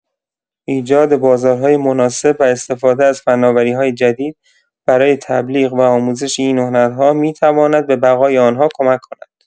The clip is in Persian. ایجاد بازارهای مناسب و استفاده از فناوری‌های جدید برای تبلیغ و آموزش این هنرها می‌تواند به بقای آن‌ها کمک کند.